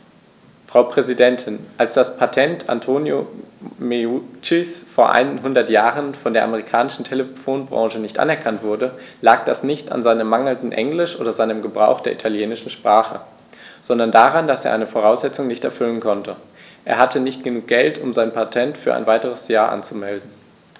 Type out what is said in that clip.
Frau Präsidentin, als das Patent Antonio Meuccis vor einhundert Jahren von der amerikanischen Telefonbranche nicht anerkannt wurde, lag das nicht an seinem mangelnden Englisch oder seinem Gebrauch der italienischen Sprache, sondern daran, dass er eine Voraussetzung nicht erfüllen konnte: Er hatte nicht genug Geld, um sein Patent für ein weiteres Jahr anzumelden.